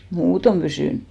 muuten pysynyt